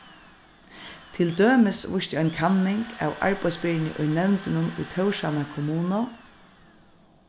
til dømis vísti ein kanning av arbeiðsbyrðuni í nevndunum í tórshavnar kommunu